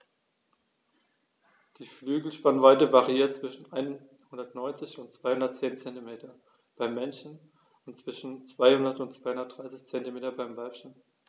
Die Flügelspannweite variiert zwischen 190 und 210 cm beim Männchen und zwischen 200 und 230 cm beim Weibchen.